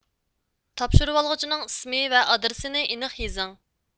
تاپشۇرۇۋالغۇچىنىڭ ئىسمى ۋە ئادرېسىنى ئېنىق يېزىڭ